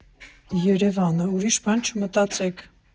ԵՐԵՎԱՆը, ուրիշ բան չմտածեք։